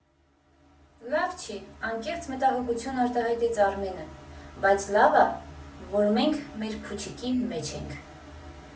֊ Լավ չի, ֊ անկեղծ մտահոգություն արտահայտեց Արմենը, ֊ բայց լավ ա, որ մենք մեր փուչիկի մեջ ենք։